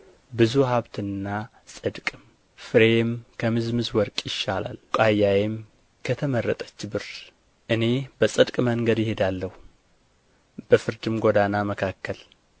ብዙ ሀብትና ጽድቅም ፍሬዬም ከምዝምዝ ወርቅ ይሻላል ቡቃያዬም ከተመረጠች ብር እኔ በጽድቅ መንገድ እሄዳለሁ በፍርድም ጎዳና መካከል